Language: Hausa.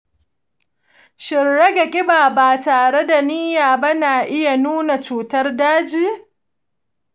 shin rage kiba ba tare da niyya ba na iya nuna cutar daji?